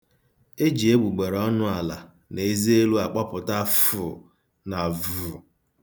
E ji egbugbereọnụ ala na eze elu akpọpụta /f/ na /v/.